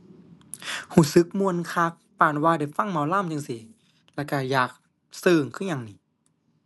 รู้สึกม่วนคัก ปานว่าได้ฟังหมอลำจั่งซี้ แล้วรู้อยากเซิ้งคือหยังหนิ